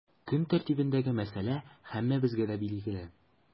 Көн тәртибендәге мәсьәлә һәммәбезгә дә билгеле.